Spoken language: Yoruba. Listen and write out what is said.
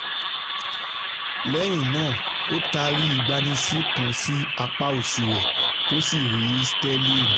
Lẹ́yìn náà ó taari ìgbásíni kan sí apá òsì rẹ̀, tósì rí Sterling.